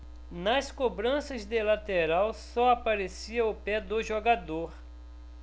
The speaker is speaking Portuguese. nas cobranças de lateral só aparecia o pé do jogador